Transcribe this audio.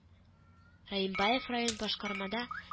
Раимбаев райбашкармада